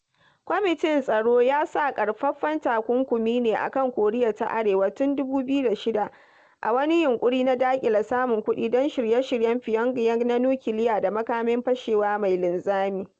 Kwamitin Tsaro ya sa ƙarfafan takunkumi ne a kan Koriya ta Arewa tun 2006 a wani yinƙuri na daƙile samun kuɗi don shirye-shiryen Pyongyang na nukiliya da makamin fashewa mai linzami.